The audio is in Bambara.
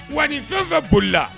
Wa fɛn fɛn bolila